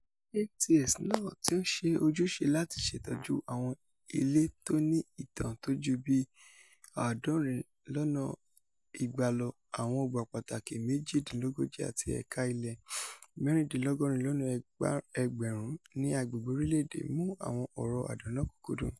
NTS náà, tí ó ń ṣe ojúṣe láti ṣètọ́jú àwọn ilé tó ní ìtàn tó ju bí 270 lọ, àwọn ọgbà pàtàkì 38, àti eékà ilẹ̀ 76,000 ní agbègbè orílẹ̀ èdè, mú àwọn ọ̀rọ̀ àdán lọ́kúnkúndùn.